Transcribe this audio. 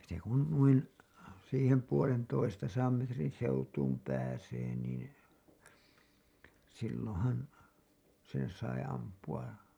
se kun noin siihen puolentoistasadan metrin seutuun pääsee niin silloinhan sen sai ampua